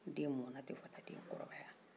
den mona ten fo ka ta'a den kɔrɔbaya